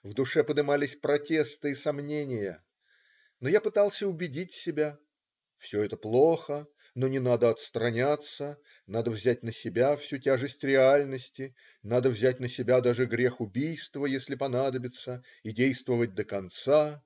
В душе подымались протесты и сомнения, но я пытался убедить себя: "все это плохо, но не надо отстраняться, надо взять на себя всю тяжесть реальности, надо взять на себя даже грех убийства, если понадобится, и действовать до конца.